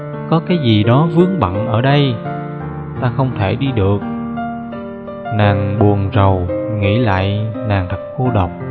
có cái gì đó vướng bận ở đây ta không thể đi được nàng buồn rầu nghĩ lại nàng thật cô độc